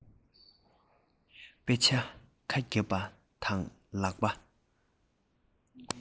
དཔེ ཆ ཁ བརྒྱབ པ དང ལག པ